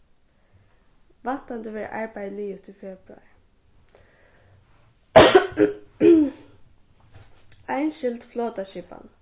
væntandi verður arbeiðið liðugt í februar einskild flotaskipan